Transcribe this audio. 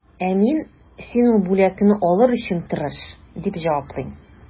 Ә мин, син ул бүләкне алыр өчен тырыш, дип җаваплыйм.